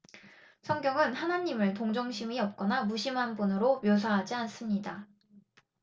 성경은 하느님을 동정심이 없거나 무심한 분으로 묘사하지 않습니다